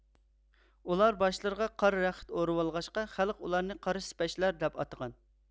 ئۇلار باشلىرىغا قارا رەخت ئورۇۋالغاچقا خەلق ئۇلارنى قارا سىپەچلەر دەپ ئاتىغان